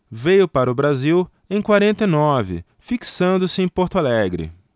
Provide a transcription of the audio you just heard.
veio para o brasil em quarenta e nove fixando-se em porto alegre